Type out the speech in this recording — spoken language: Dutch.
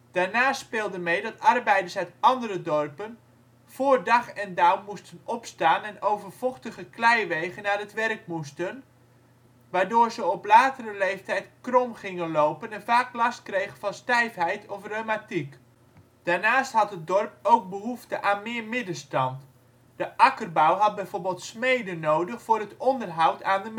Daarnaast speelde mee dat arbeiders uit andere dorpen voor dag en douw moesten opstaan en over vochtige kleiwegen naar het werk moesten, waardoor ze op latere leeftijd krom gingen lopen en vaak last kregen van stijfheid of reumatiek. Daarnaast had het dorp ook behoefte aan meer middenstand: De akkerbouw had bijvoorbeeld smeden nodig voor het onderhoud aan de